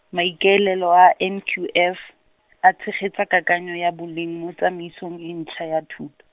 maikaelelo a N Q F, a tshegetsa kakanyo ya boleng mo tsamaisong e ntšha ya thuto.